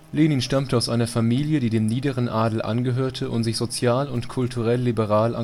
Lenin stammte aus einer Familie, die dem niederen Adel angehörte und sich sozial und kulturell liberal